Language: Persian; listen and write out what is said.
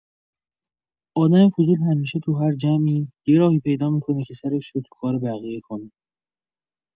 آدم فضول همیشه تو هر جمعی یه راهی پیدا می‌کنه که سرش رو تو کار بقیه کنه.